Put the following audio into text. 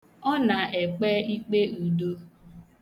Ọ na-ekpe ikpe udo.